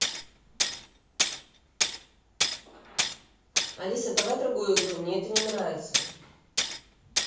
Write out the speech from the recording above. алиса давай другую игру мне это не нравится